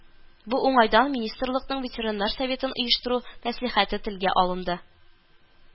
Бу уңайдан министрлыкның ветераннар советын оештыру мәслихәте телгә алынды